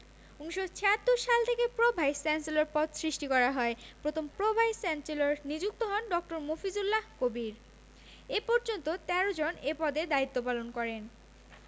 ১৯৭৬ সাল থেকে pro vice chancellor পদ সৃষ্টি করা হয় প্রথম প্রো ভাইস চ্যান্সেলর নিযুক্ত হন ড. মফিজুল্লাহ কবির এ পর্যন্ত ১৩ জন এ পদে দায়িত্বপালন করেন